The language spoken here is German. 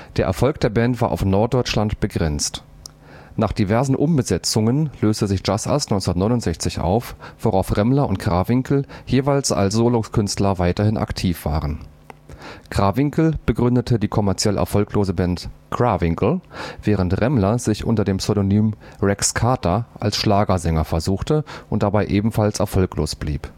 Der Erfolg der Band war auf Norddeutschland begrenzt. Nach diversen Umbesetzungen löste sich „ Just Us “1969 auf, worauf Remmler und Krawinkel jeweils als Solokünstler weiterhin aktiv waren. Krawinkel gründete die kommerziell erfolglose Band „ Cravinkel “, während Remmler sich unter dem Pseudonym „ Rex Carter “als Schlagersänger versuchte und dabei ebenfalls erfolglos blieb